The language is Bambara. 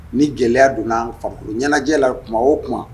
Ni gɛlɛya donna fakolo ɲɛnajɛ la kuma o kuma